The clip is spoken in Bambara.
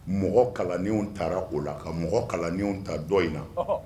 Mɔgɔ kalanw taara o la ka mɔgɔ kalaninw ta dɔ in na